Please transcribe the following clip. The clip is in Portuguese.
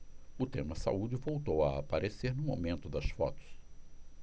o tema saúde voltou a aparecer no momento das fotos